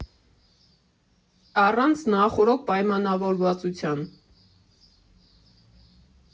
Առանց նախօրոք պայմանավորվածության։